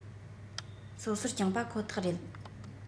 སོ སོར བསྐྱངས པ ཁོ ཐག རེད